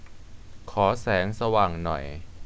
ขอแสงสว่างหน่อย